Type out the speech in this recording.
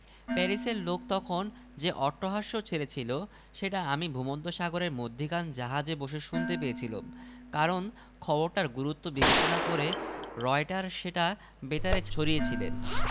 তাই দিয়ে লেখাটা শেষ করি গল্পটা সকলেই জানেন কিন্তু তার গূঢ়ার্থ মাত্র কাল বুঝতে পেরেছি আরব্যোপন্যাসের গল্প